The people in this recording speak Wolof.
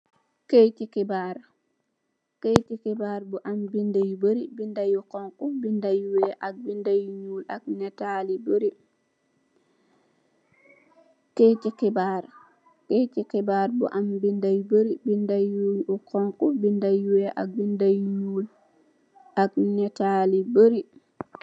kayti kibaar keyti kibaar bu am binda yu bari binda yu xonxu ak binda yu nyool ak nital yu bari